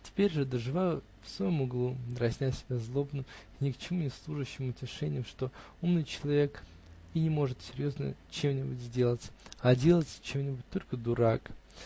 Теперь же доживаю в своем углу, дразня себя злобным и ни к чему не служащим утешением, что умный человек и не может серьезно чем-нибудь сделаться, а делается чем-нибудь только дурак.